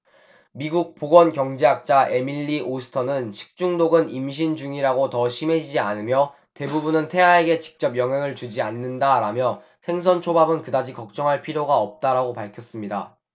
미국 보건경제학자 에밀리 오스터는 식중독은 임신 중이라고 더 심해지지 않으며 대부분은 태아에게 직접 영향을 주지 않는다라며 생선초밥은 그다지 걱정할 필요가 없다라고 밝혔습니다